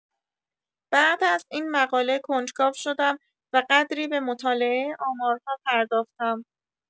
بعد از این مقاله کنجکاو شدم و قدری به مطالعه آمارها پرداختم.